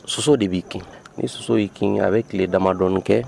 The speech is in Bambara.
Soso de b'i kin ni soso y'i kin a bɛ tile damadɔ kɛ